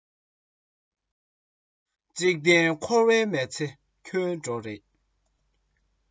འཇིག རྟེན འཁོར བའི མི ཚེ འཁྱོལ འགྲོ རེད